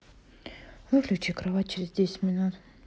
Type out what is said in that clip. выключи кровать через десять минут